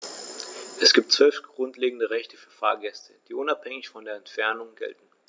Es gibt 12 grundlegende Rechte für Fahrgäste, die unabhängig von der Entfernung gelten.